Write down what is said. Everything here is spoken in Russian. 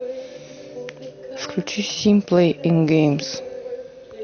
включи сим плей ин геймс